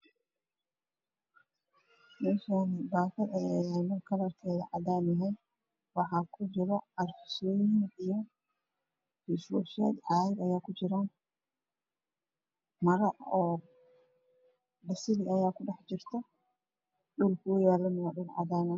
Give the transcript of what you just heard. Meshaani bakad ayaa yaalo kalar keedo cadaan yahay waxaa ku jiro carfisooyin iyo fes woshyaal cagaag ayaa ku jiraan maro oo basali ayaa ku dhax jirto dhulak ow yaalo waa dhul cadaan ah